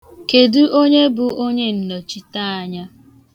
Kedu onye bụ onyennọchiteanya?